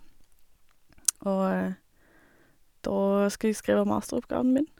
Og da skal jeg skrive masteroppgaven min.